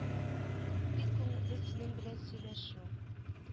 Бик күңелле синең белән сөйләшү